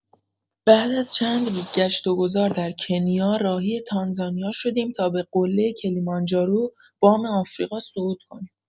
بعد از چند روز گشت و گذار در کنیا، راهی تانزانیا شدیم تا به قله کلیمانجارو، بام آفریقا صعود کنیم.